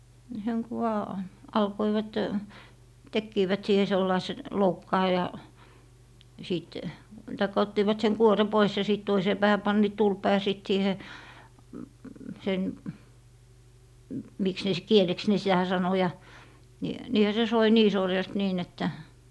sen kun vain alkoivat tekivät siihen sellaisen loukkaan ja sitten tai ottivat sen kuoren pois ja sitten toiseen päähän panivat tulpan ja sitten siihen sen miksi ne - kieleksi ne sitä sanoi ja niin niinhän se soi niin sorjasti niin että